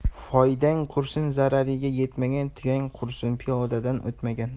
foydang qursin zarariga yetmagan tuyang qursin piyodadan o'tmagan